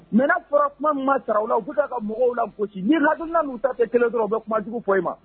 Mɛ fɔra kuma ma sara u u bɛ taa ka mɔgɔw la ko ni haduina ta kɛ kelen dɔrɔn u bɛ kuma jugu fɔ ma